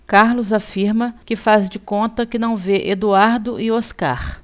carlos afirma que faz de conta que não vê eduardo e oscar